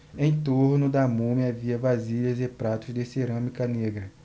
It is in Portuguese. em torno da múmia havia vasilhas e pratos de cerâmica negra